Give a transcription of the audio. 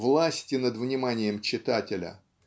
власти над вниманием читателя